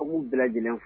A b'u bila lajɛlen